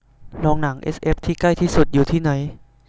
โรงหนังเอสเอฟที่ใกล้ที่สุดอยู่ที่ไหน